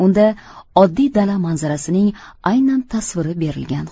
unda oddiy dala manzarasining aynan tasviri berilgan